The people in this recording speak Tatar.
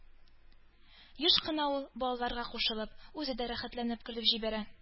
Еш кына ул, балаларга кушылып, үзе дә рәхәтләнеп көлеп җибәрә.